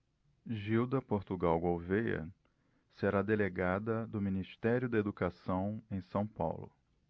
gilda portugal gouvêa será delegada do ministério da educação em são paulo